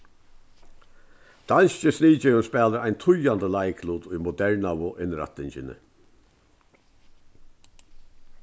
danski sniðgevin spælir ein týðandi leiklut í modernaðu innrættingini